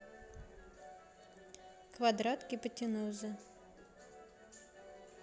квадрат гипотенузы